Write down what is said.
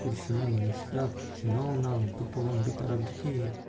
mushtlab chunonam to'polon ko'taribdiki